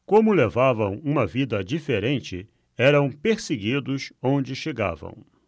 como levavam uma vida diferente eram perseguidos onde chegavam